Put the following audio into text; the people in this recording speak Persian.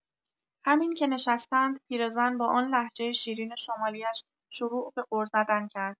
همین که نشستند پیرزن با آن لحجه شیرین شمالی‌اش شروع به غر زدن کرد.